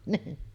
niin